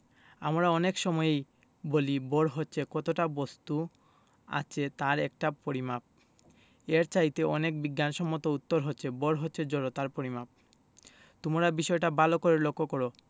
আমরা অনেক সময়েই বলি ভর হচ্ছে কতটা বস্তু আছে তার একটা পরিমাপ এর চাইতে অনেক বিজ্ঞানসম্মত উত্তর হচ্ছে ভর হচ্ছে জড়তার পরিমাপ তোমরা বিষয়টা ভালো করে লক্ষ করো